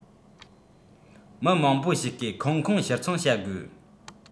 མི མང པོ ཞིག གིས ཁང ཁོངས ཕྱིར འཚོང བྱ དགོས